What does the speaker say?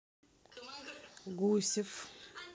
гусев